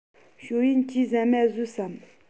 ཞའོ ཡན གྱིས ཟ མ ཟོས ཡོད དམ